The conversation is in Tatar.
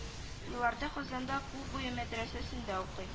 Елларда казанда күлбуе мәдрәсәсендә укый